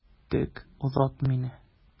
Киттек, озат мине.